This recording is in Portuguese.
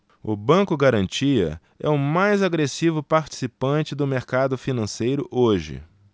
o banco garantia é o mais agressivo participante do mercado financeiro hoje